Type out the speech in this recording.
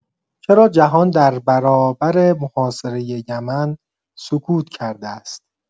چرا جهان در برابر محاصره یمن سکوت کرده است؟